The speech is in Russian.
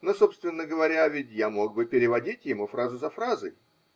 но, собственно говоря, ведь я мог бы переводить ему фразу за фразой?